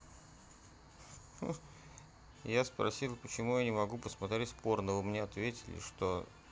я спросила почему я не могу посмотреть порно мне вы ответили что